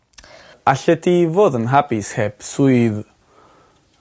Allet ti fod yn hapus heb swydd?